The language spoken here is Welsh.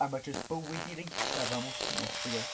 A ma' jyst bywyd i'r eithaf am wsnos ti'n gwybod?